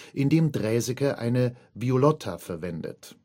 in dem Draeseke eine Violotta verwendet